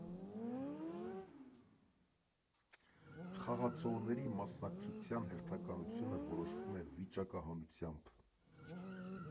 Խաղացողների մասնակցության հերթականությունը որոշվում է վիճակահանությամբ։